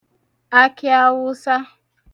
akịawụsa